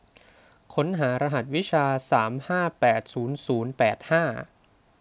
ค้นหารหัสวิชาสามห้าแปดศูนย์ศูนย์แปดห้า